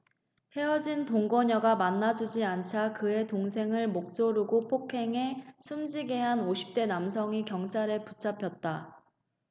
헤어진 동거녀가 만나주지 않자 그의 여동생을 목 조르고 폭행해 숨지게 한 오십 대 남성이 경찰에 붙잡혔다